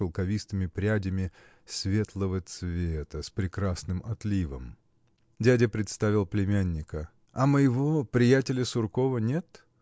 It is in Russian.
шелковистыми прядями светлого цвета с прекрасным отливом. Дядя представил племянника. – А моего приятеля Суркова нет?